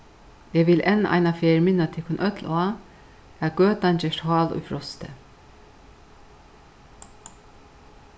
eg vil enn eina ferð minna tykkum øll á at gøtan gerst hál í frosti